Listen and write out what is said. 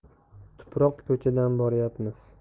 tuproq ko'chadan boryapmiz